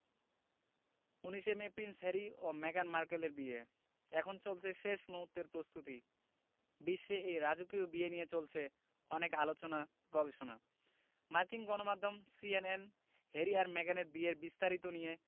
১৯ সে May Prince Harry ও মেগান মার্কেলের বিয়ে এখন চলছে শেষ মুহূর্তের প্রস্তুতি বিশ্বে এই রাজকীয় বিয়ে নিয়ে চলছে অনেক আলোচনা গবেষণা মার্কিন গণমাধ্যম সিএনএন হ্যারি আর মেগানের বিয়ের বিস্তারিত নিয়ে